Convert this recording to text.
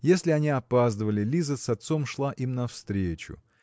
Если они опаздывали, Лиза с отцом шла им навстречу.